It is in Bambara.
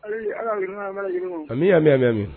Ami mɛn mɛn min